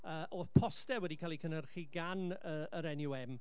yy oedd postau wedi cael eu cynhyrchu gan yr NUM